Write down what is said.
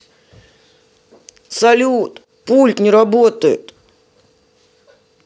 салют пульт не работает